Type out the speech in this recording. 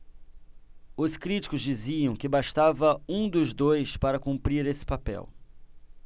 os críticos diziam que bastava um dos dois para cumprir esse papel